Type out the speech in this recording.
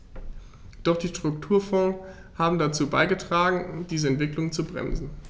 Doch die Strukturfonds haben dazu beigetragen, diese Entwicklung zu bremsen.